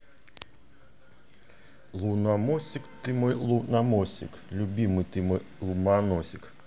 включи луномосик